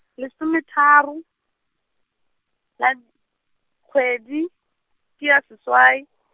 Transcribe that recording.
lesometharo, la, kgwedi, ke ya seswai.